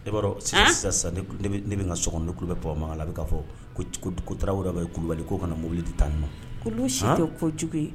E b'a sisan sisan sisan ne bɛ ka sokɔnɔuni ku bɛ bamakɔma kan la a bɛ'a fɔta wɛrɛba ye ku kulubali k'o kana mobili tɛ tan ma si tɛ kɔ kojugu ye